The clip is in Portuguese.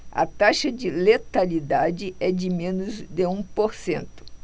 a taxa de letalidade é de menos de um por cento